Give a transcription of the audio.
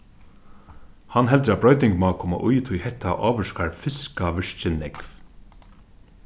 hann heldur at broyting má koma í tí hetta ávirkar fiskavirkið nógv